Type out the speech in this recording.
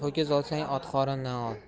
ho'kiz olsang ot qorindan ol